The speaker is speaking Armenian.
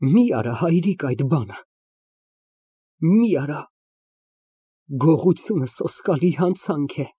ՄԻ արա, հայրիկ, այդ բանը, մի արա, գողությունը սոսկալի հանցանք է։